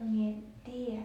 en tiedä